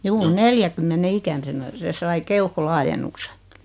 juu neljänkymmenen ikäisenä se sai keuhkolaajennuksen